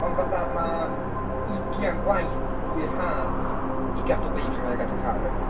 Ond fatha 'ma, ugian gwaith fwy rhad i gadw beic 'na mae o i gadw car hefyd.